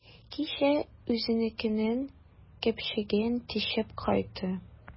Кичә үзенекенең көпчәген тишеп кайтты.